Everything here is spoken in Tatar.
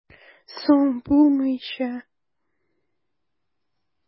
Соң, булмыйча!